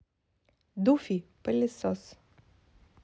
дуфи пылесос